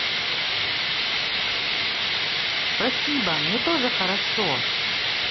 спасибомне тоже хорошо